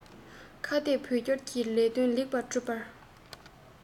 ཡུས ཀྲེང ཧྲེང གིས དུས བབ གསར པའི འོག